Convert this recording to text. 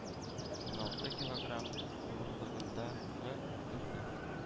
Уналты килограмм авырлыгындагы герне